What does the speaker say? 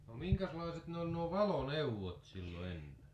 no minkäslaiset ne oli nuo valoneuvot silloin ennen